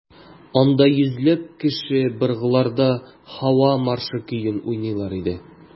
Анда йөзләп кеше быргыларда «Һава маршы» көен уйныйлар иде.